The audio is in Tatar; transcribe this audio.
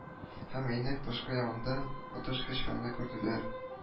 Һем өйнең тышкы ягында коточкыч хәлне күрделәр